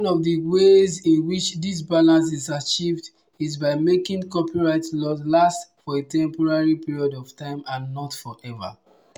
One of the ways in which this balance is achieved is by making copyright law last for a temporary period of time and not forever.